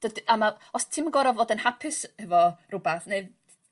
dydi... A ma'... Os... Ti'm yn gor'o' fod yn hapus hefo rwbath nid...